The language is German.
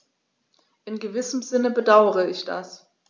In gewissem Sinne bedauere ich das.